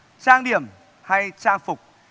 trang điểm hay trang phục